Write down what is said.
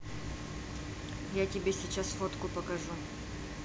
я тебе сейчас фотки покажу